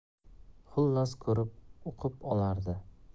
xullas ko'rib uqib olardi